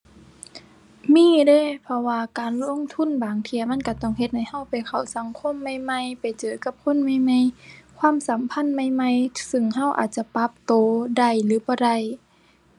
มีเดะ เพราะว่าการลงทุนบางเที่ยมันก็ต้องเฮ็ดให้ก็ไปเข้าสังคมใหม่ใหม่ ไปเจอกับคนใหม่ใหม่ ความสัมพันธ์ใหม่ใหม่ ซึ่งก็อาจจะปรับก็ได้หรือบ่ได้